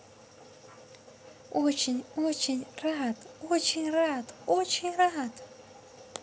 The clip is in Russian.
очень очень рад очень рад очень рад